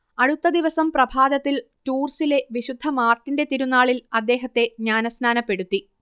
അടുത്ത ദിവസം പ്രഭാതത്തിൽ ടൂർസിലെ വിശുദ്ധ മാർട്ടിന്റെ തിരുനാളിൽ അദ്ദേഹത്തെ ജ്ഞാനസ്നാനപ്പെടുത്തി